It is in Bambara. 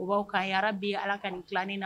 U' ka ha bi ala ka nin dilain na